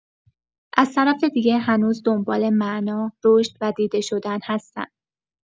از طرف دیگه، هنوز دنبال معنا، رشد و دیده شدن هستن.